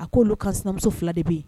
A ko' olu ka sinamuso fila de bɛ yen